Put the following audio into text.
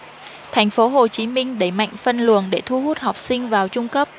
thành phố hồ chí minh đẩy mạnh phân luồng để thu hút học sinh vào trung cấp